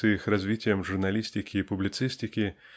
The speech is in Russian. с их развитием журналистики и публицистики